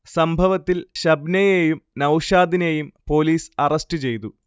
സംഭവത്തിൽ ഷബ്നയേയും നൗഷാദിനേയും പൊലീസ് അറസ്റ്റ് ചെയ്തു